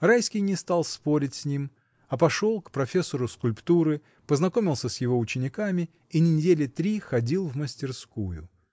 Райский не стал спорить с ним, а пошел к профессору скульптуры, познакомился с его учениками и недели три ходил в мастерскую.